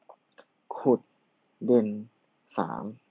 ขุดดินสาม